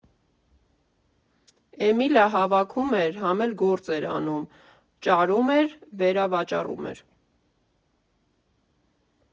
Էմիլը հավաքում էր, համ էլ գործ էր անում՝ ճարում էր, վերավաճառում էր։